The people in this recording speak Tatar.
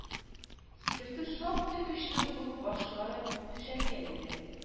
Сикертү шактый көчле булып башлары түшәмгә тиде